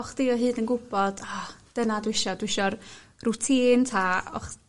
o' chdi o hyd yn gwbod o dyna dwi isio dwi isio'r rwtîn 'ta o'ch